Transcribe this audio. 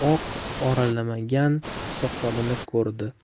oq oralamagan soqolini ko'rdi